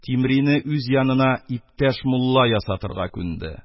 Тимрине үз янына иптәш мулла ясатырга күнде.